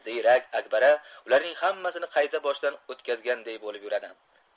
ziyrak akbara ularning hammasini qayta boshdan o'tkazganday bo'lib yuradi